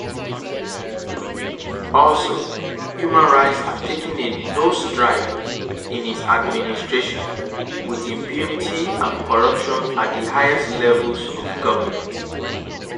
Also, human rights have taken a nose drive in his administration, with impunity and corruption at the highest levels of government.